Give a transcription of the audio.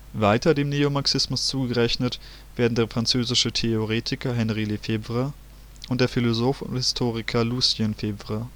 Weiter dem Neomarxismus zugerechnet werden der französische Theoretiker Henri Lefebvre und der Philosoph und Historiker Lucien Febvre